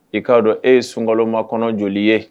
I k'a dɔn e ye sunkalama kɔnɔ joli ye